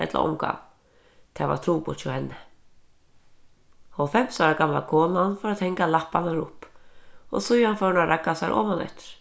ella ongan tað var trupult hjá henni hálvfems ára gamla konan fór at hanga lapparnar upp og síðan fór hon at ragga sær omaneftir